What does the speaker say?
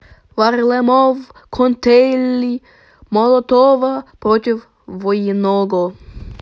варламов коктейли молотова против военного